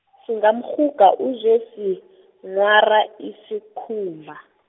singamrhuga uzosinghwara isikhumba.